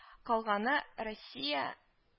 Калганы Россия